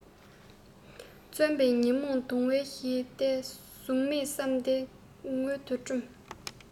བཙུན པས ཉོན མོངས གདུང བ ཞི སྟེ གཟུགས མེད བསམ གཏན མངལ དུ སྦྲུམ